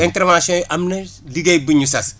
intervention yi am na liggéey bim ñu sas